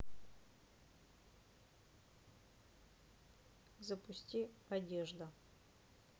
запусти одежда